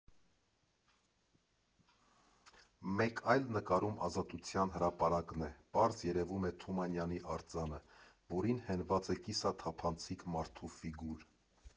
Մեկ այլ նկարում Ազատության հրապարակն է, պարզ երևում է Թումանյանի արձանը, որին հենված է կիսաթափանցիկ մարդու ֆիգուր։